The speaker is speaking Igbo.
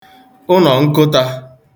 ụnọ̀ nkụtā